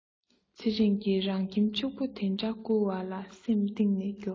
ཚེ རིང གི རང ཁྱིམ ཕྱུག པོ འདི འདྲ བསྐུར བ ལ སེམས གཏིང ནས སྐྱོ